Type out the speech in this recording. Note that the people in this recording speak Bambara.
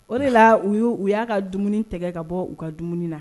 O de la u u y'a ka dumuni tigɛ ka bɔ u ka dumuni na